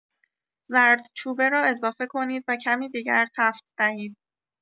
زردچوبه را اضافه کنید و کمی دیگر تفت دهید.